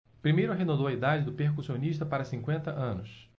primeiro arredondou a idade do percussionista para cinquenta anos